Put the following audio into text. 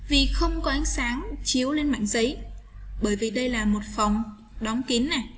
vì không có ánh sáng chiếu lên mảnh giấy bởi vì đây là một phòng đóng kín